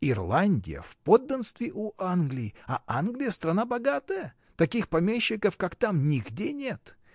— Ирландия в подданстве у Англии, а Англия страна богатая: таких помещиков, как там, нигде нет.